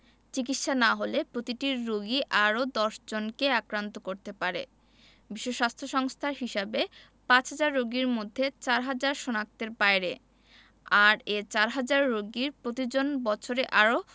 চিকিৎসা না হলে প্রতিটি রোগী আরও ১০ জনকে আক্রান্ত করাতে পারে বিশ্ব স্বাস্থ্য সংস্থার হিসেবে পাঁচহাজার রোগীর মধ্যে চারহাজার শনাক্তের বাইরে আর এ চারহাজার রোগীর প্রতিজন বছরে আরও